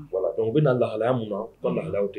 Voila donc u bɛna na lahalaya min na, u ka lahalayaw tɛ